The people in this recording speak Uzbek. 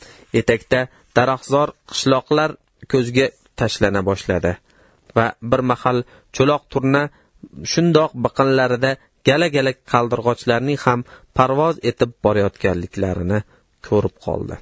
etakda daraxtzor qishloqlar ko'zga tashlana bosh ladi va bir mahal cho'loq turna shundoq biqinlarida gala gala qaldirg'ochlarning ham parvoz etib borayotganlarini ko'rib qoldi